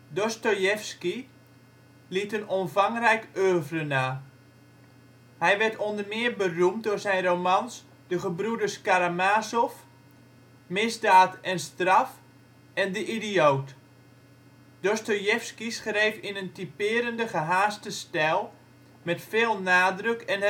Dostojevski liet een omvangrijk oeuvre na. Hij werd onder meer beroemd door zijn romans De gebroeders Karamazov, Misdaad en straf en De idioot. Dostojevski schreef in een typerende gehaaste stijl, met veel nadruk (emfase) en herhalingen